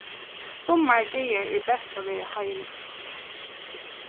summar dagar er best at vera heima